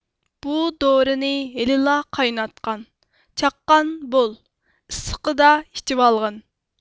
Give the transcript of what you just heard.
بۇ دورىنى ھېلىلا قايناتقان چاققان بول ئىسسىقىدا ئىچىۋالغىن